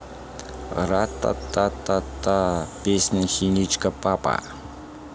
ратататата песня синичка папа